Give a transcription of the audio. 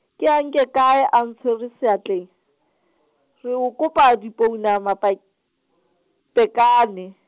ke a nke kae a ntshwere seatleng, re o oka dipounama pa-, pekane.